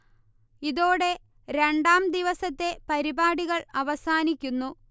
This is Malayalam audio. ഇതോടെ രണ്ടാം ദിവസത്തെ പരിപാടികൾ അവസാനിക്കുന്നു